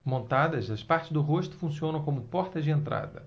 montadas as partes do rosto funcionam como portas de entrada